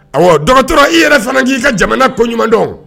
Ɔwɔ dɔgɔtɔ i yɛrɛ k'i ka jamana koɲumandɔn